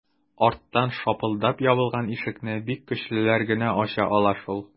Арттан шапылдап ябылган ишекне бик көчлеләр генә ача ала шул...